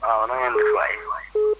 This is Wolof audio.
waaw na ngeen def waay